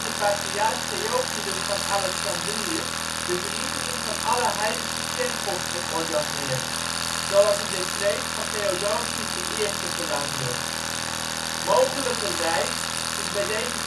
patriarch Theophilus van Alexandrië de vernietiging van alle heidense tempels verordonneerd, zoals een decreet van Theodosius I verlangde. Mogelijkerwijs is bij deze